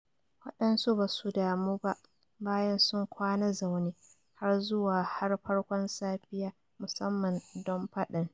Wadansu ba su damu ba bayan sun kwana zaune har zuwa har farkon safiya musamman don fadan.